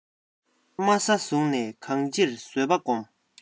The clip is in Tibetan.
དམའ ས བཟུང ནས གང ཅིར བཟོད པ སྒོམ